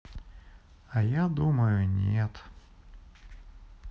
а я думаю нет